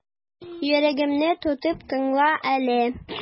Йөрәгемне тотып тыңла әле.